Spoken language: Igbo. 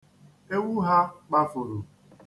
Ewu ha kpafuru.